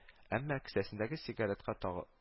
Әмма кесәсендәге сигаретка тагы